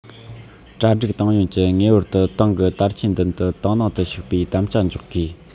གྲ སྒྲིག ཏང ཡོན གྱིས ངེས པར དུ ཏང གི དར ཆའི མདུན དུ ཏང ནང དུ ཞུགས པའི དམ བཅའ འཇོག དགོས